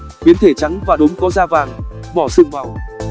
biến thể trắng và đốm có da vàng mỏ sừng màu